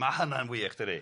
ma' hynna'n wych, dydi?